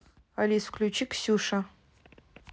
алис включи ксюша